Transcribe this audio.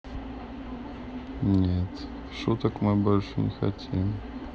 нет шуток мы больше не хотим